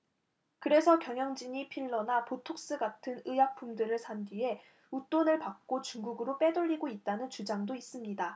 그래서 경영진이 필러나 보톡스 같은 의약품들을 산 뒤에 웃돈을 받고 중국으로 빼돌리고 있다는 주장도 있습니다